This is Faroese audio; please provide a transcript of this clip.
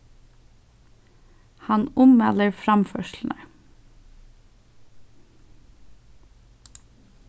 hann ummælir framførslurnar